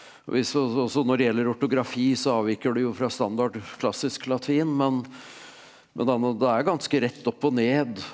vi så også når det gjelder ortografi så avviker det jo fra standard klassisk latin men men da nå det er ganske rett opp og ned.